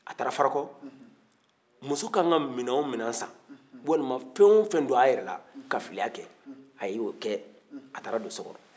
a taara farako muso ka kan ka minɛn o minɛn san walima fɛn o fɛn don a yɛrɛ la ka filiya kɛ a y'o kɛ a taara don so kɔnɔ